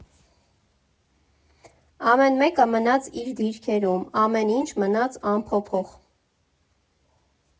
Ամեն մեկը մնաց իր դիրքերում, ամեն ինչ մնաց անփոփոխ։